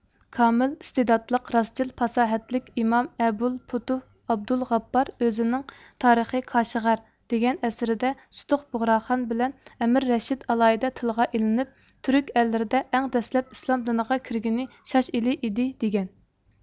كامىل ئىستېداتلىق راستچىل پاساھەتلىك ئىمام ئەبۇل پۇتۇھ ئابدۇل غاپپار ئۆزىنىڭ تارىخى كاشىغەر دېگەن ئەسىرىدە سۇتۇق بۇغراخان بىلەن ئەمىر رەشىد ئالاھىدە تىلغا ئېلىپ تۈرك ئەللىرىدە ئەڭ دەسلەپ ئىسلام دىنىغا كىرگىنى شاش ئېلى ئىدى دېگەن